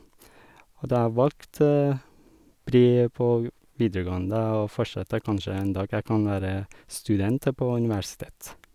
Og da jeg valgt bli på vi videregående og fortsette, kanskje en dag jeg kan være student på universitet.